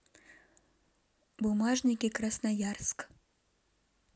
бумажники красноярск